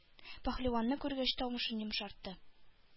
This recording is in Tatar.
Пәһлеванны күргәч, тавышын йомшартты: